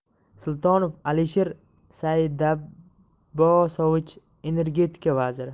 sultonov alisher saidabbosovich energetika vaziri